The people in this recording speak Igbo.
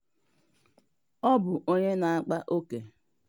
Ọ bụ onye na akpa oke.